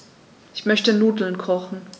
Ich möchte Nudeln kochen.